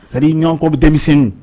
Sabu ɲɔgɔn kɔ bɛ denmisɛnnin